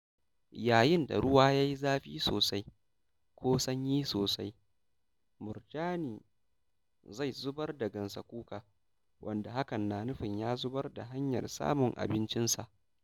Yayin da ruwa ya yi zafi sosai (ko sanyi sosai), murjani zai zubar da gansakuka - wanda hakan na nufin ya zubar da hanyar samun abincinsa.